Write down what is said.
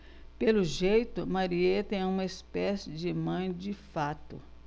pelo jeito marieta é uma espécie de mãe de fato